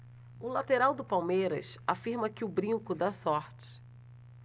o lateral do palmeiras afirma que o brinco dá sorte